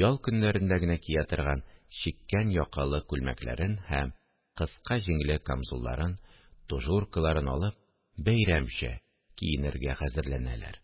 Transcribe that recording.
ял көннәрендә генә кия торган чиккән якалы күлмәкләрен һәм кыска җиңле камзулларын, тужуркаларын алып, «бәйрәмчә» киенергә хәзерләнәләр